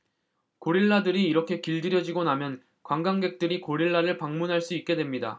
고릴라들이 이렇게 길들여지고 나면 관광객들이 고릴라를 방문할 수 있게 됩니다